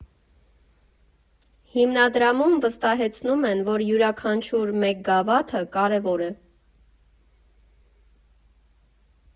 Հիմնադրամում վստահեցնում են, որ յուրաքանչյուր «մեկ գավաթը» կարևոր է։